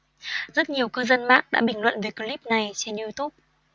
rất nhiều cư dân mạng đã bình luận về clip này trên youtube